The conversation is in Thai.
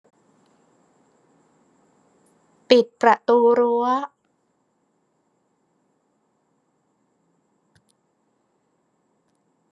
ปิดประตูรั้ว